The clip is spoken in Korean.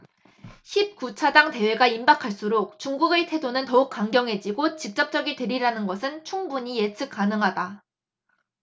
십 구 차 당 대회가 임박할수록 중국의 태도는 더욱 강경해지고 직접적이 되리리라는 것은 충분히 예측 가능하다